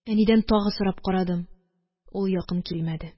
Әнидән тагы соратып карадым. Ул якын килмәде